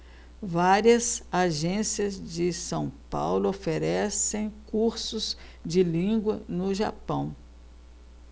várias agências de são paulo oferecem cursos de língua no japão